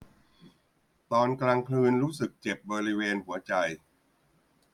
ตอนกลางคือรู้สึกเจ็บบริเวณหัวใจ